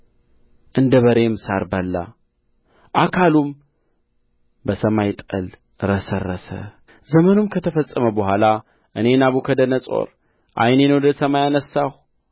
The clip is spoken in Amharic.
እንደ በሬም ሣር በላ አካሉም በሰማይ ጠል ረሰረሰ ዘመኑም ከተፈጸመ በኋላ እኔ ናቡከደነፆር ዓይኔን ወደ ሰማይ አነሣሁ